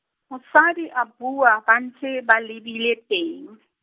mosadi a bua ba ntse, ba lebile teng.